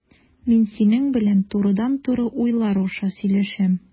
Мин синең белән турыдан-туры уйлар аша сөйләшәм.